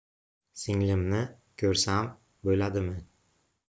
singlimni ko'rsam bo'ladimi